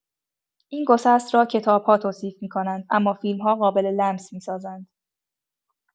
این گسست را کتاب‌ها «توصیف» می‌کنند، اما فیلم‌ها «قابل‌لمس» می‌سازند.